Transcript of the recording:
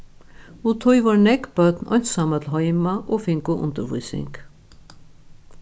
og tí vóru nógv børn einsamøll heima og fingu undirvísing